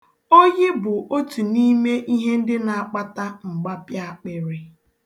Oyi bụ otu n'ime ihe ndị na-akpata mgbapịaakpịrị.